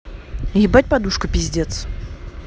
ебать подушка пиздец